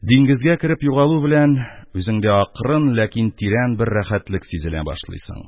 Диңгезгә кереп югалу белән, үзеңдә акрын, ләкин тирән бер рәхәтлек сизенә башлыйсың.